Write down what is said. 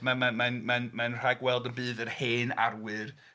Ma- mae... mae... mae'n rhagweld y bydd yr hen arwyr...